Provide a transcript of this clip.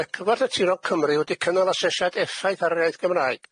Ma' cyfath y turo Cymru wedi cynnal asesiad effaith ar yr iaith Gymraeg.